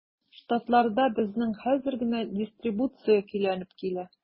Штатларда безнең хәзер генә дистрибуция көйләнеп килә.